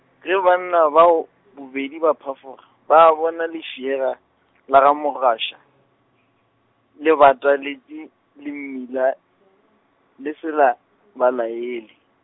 ge banna bao bobedi ba phafoga, ba bona lefšega, la ga Mogwaša , le bataletše, le mmila, le se la, ba laele.